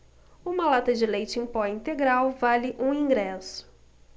uma lata de leite em pó integral vale um ingresso